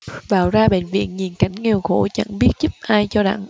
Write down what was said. vào ra bệnh viện nhìn cảnh nghèo khổ chẳng biết giúp ai cho đặng